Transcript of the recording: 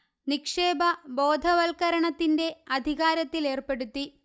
നിക്ഷേപ ബോധവത്കരണത്തിന്റെ അധികാരത്തിലേര്പ്പെടുത്തി